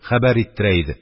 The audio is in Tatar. Хәбәр иттерә иде